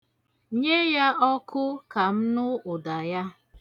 Nye ya ọkụ ka m nụ ụda ya.